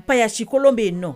Pasi kolon bɛ yen nɔ